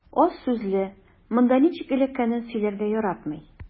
Аз сүзле, монда ничек эләккәнен сөйләргә яратмый.